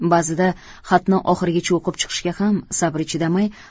ba'zida xatni oxirigacha o'qib chiqishga ham sabri chidamay